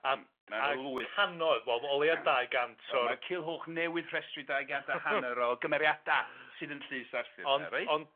a a lwyth cannoedd wel o leia dau gant o... Wel mae Culhwch newydd rhestru dau gant a hanner o gymeriada sydd yn Llys Arthur...Ond... ...ia reit? ...ond